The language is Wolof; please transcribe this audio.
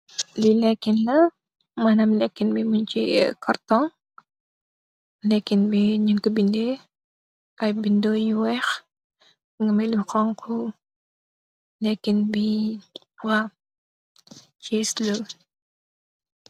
Lii leekun la, manaam, leekun bi muñ si kartoñ bi. Leekin bi ñuñ co bindëë ay bindëë ay bindë yu weex. amu ngi am lu xoñgu. Leekin bi.